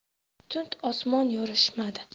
tund osmon yorishmadi